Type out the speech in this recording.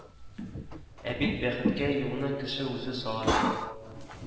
Ә бит бәхеткә юлны кеше үзе сала